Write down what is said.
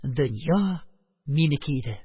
Дөнья минеке иде.